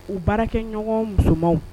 U baara kɛ ɲɔgɔn musomanw